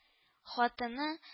Хатыны